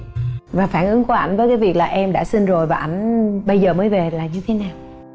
và phản ứng của ảnh với cái việc là em đã sinh rồi và ảnh bây giờ mới về là như thế nào